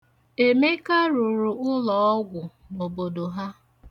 Emeka rụrụ ụlọọgwụ n'obodo ha.